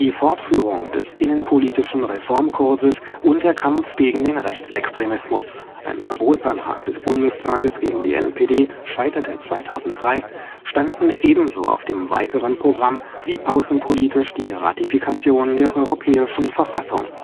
Fortführung des innenpolitischen Reformkurses und der Kampf gegen den Rechtsextremismus – ein Verbotsantrag des Bundestages gegen die NPD scheiterte 2003 – standen ebenso auf dem weiteren Programm wie außenpolitisch die Ratifikation der Europäischen Verfassung